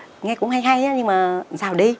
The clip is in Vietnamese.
nghe cũng hay hay á nhưng mà sao đi